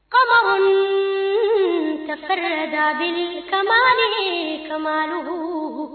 Kamalensonin kasɛ da kamalenin kadugubugu